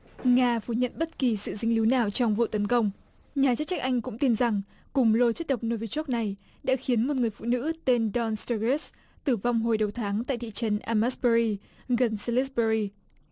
nga phủ nhận bất kỳ sự dính líu nào trong vụ tấn công nhà chức trách anh cũng tin rằng cùng lô chất độc nô vi chóc này đã khiến một người phụ nữ tên đon xờ tơ gớt tử vong hồi đầu tháng tại thị trấn am mát bơ ri gần xơ lít bơ ri